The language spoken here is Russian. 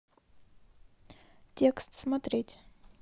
текст смотреть